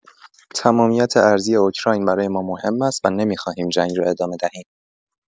تمامیت ارضی اوکراین برای ما مهم است و نمی‌خواهیم جنگ را ادامه دهیم.